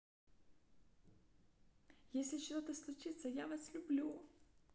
если что то случится я вас люблю